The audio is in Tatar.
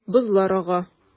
Бозлар ага.